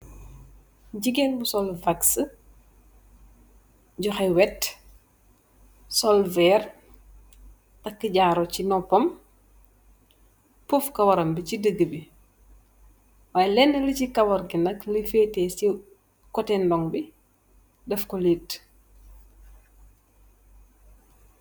Gigeen bu sul vaxsi juheh wet sul veer tagah jaroh si nopam puff karaw wambi si digguh b waye lenuh si karaw bi dafko letuh